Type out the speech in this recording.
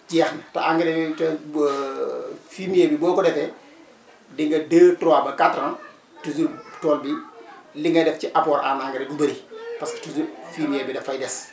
jeex na te engrais yooyu te fumier bi boo ko defee di nga 2 3 ba 4 ans toujours tool bi li nga def ci apport en engrais du bëri parce que toujours fumier bi daf fay des